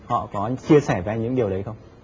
họ có chia sẻ với anh những điều đấy không